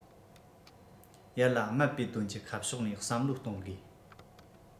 ཡར ལ སྨད པའི དོན གྱི ཁ ཕྱོགས ནས བསམ བློ གཏོང དགོས